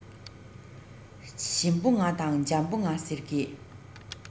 ཞིམ པོ ང དང འཇམ པོ ང ཟེར གྱི